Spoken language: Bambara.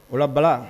O la Bala